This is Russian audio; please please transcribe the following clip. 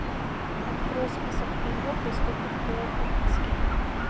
открой список фильмов доступных по подписке